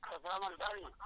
asalaamaaleykum Aliou